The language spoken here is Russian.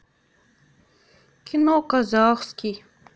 кино казахский